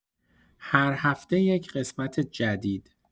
هر هفته یک قسمت جدید.